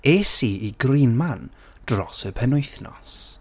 Es i i Green Man dros y penwythnos.